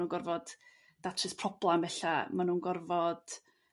Ma' nhw'n gorfod datrys problam e'lla ma nhw'n gorfod